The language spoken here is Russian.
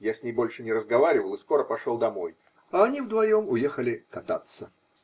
Я с ней больше не разговаривал и скоро пошел домой, а они вдвоем уехали кататься.